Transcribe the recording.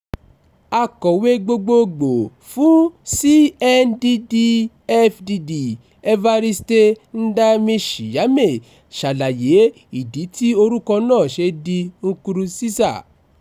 Akọ̀wé gbogboògbò fún CNDD-FDD, Evariste Ndayishimiye ṣàlàyé ìdí tí orúkọ náà ṣe di ti Nkurunziza: